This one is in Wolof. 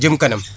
jëm kanam